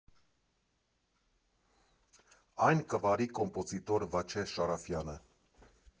Այն կվարի կոմպոզիտոր Վաչե Շարաֆյանը։